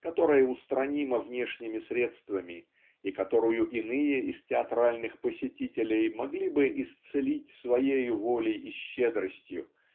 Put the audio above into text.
которая устранима внешними средствами и которую иные из театральных посетителей могли бы исцелить своею волей и щедростью